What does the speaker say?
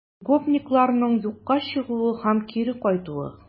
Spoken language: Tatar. Гопникларның юкка чыгуы һәм кире кайтуы